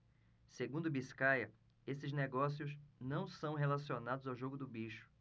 segundo biscaia esses negócios não são relacionados ao jogo do bicho